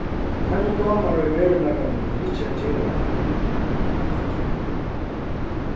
teimum dámar í veruleikanum ikki at gera hatta